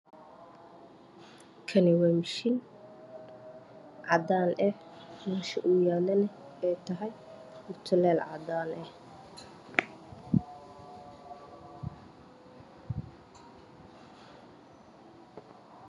Kani waa mashin cadn ah mesh oow yalo eytahay mutulel cadan ah